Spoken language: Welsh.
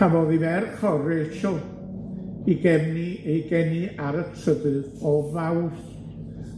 Cafodd 'i ferch o Rachel 'i geni ei geni ar y trydydd o Fawrth.